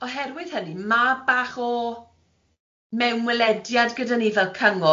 Ie, ac oherwydd hynny, ma' bach o mewnwelediad gyda ni fel cyngor